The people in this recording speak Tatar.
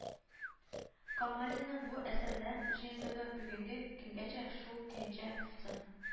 Камалинең бу әсәрләр җыентыгы бүгенге көнгәчә шул көенчә Сэ